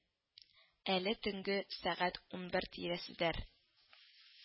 Әле төнге сәгать унбер тирәседер